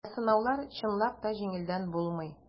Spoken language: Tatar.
Ә сынаулар, чынлап та, җиңелдән булмый.